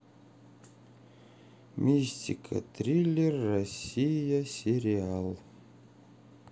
мистика триллер россия сериал